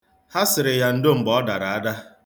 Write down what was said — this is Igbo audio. Ha sịrị ya ndo mgbe ọ dara ada.